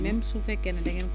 même su fekkee ni dangeen